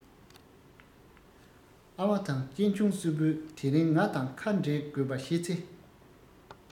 ཨ མ དང གཅེན གཅུང གསུམ པོས དེ རིང ང དང ཁ འབྲལ དགོས པ ཤེས ཚེ